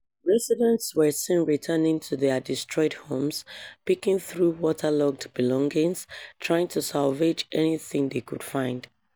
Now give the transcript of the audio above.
Residents were seen returning to their destroyed homes, picking through waterlogged belongings, trying to salvage anything they could find.